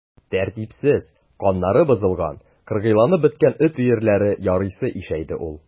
Тәртипсез, каннары бозылган, кыргыйланып беткән эт өерләре ярыйсы ишәйде шул.